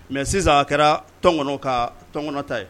Mɛ sisan a kɛra tɔn ka tɔnkɔnɔ ta ye